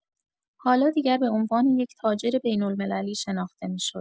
حالا دیگر به عنوان یک تاجر بین‌المللی شناخته می‌شد.